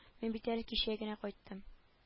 Мин бит әле кичә генә кайттым